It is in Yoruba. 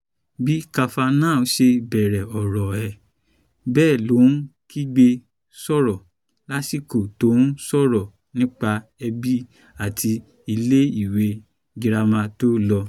Bí Kavanaugh se bẹ̀rẹ̀ ọ̀rọ̀ ẹ, bẹ́ẹ̀ ló ń kígbe sọ̀rọ̀ lásìkò tó ń sọ̀rọ̀ nípa ẹbí àti ilé-ìwé girama to lọ.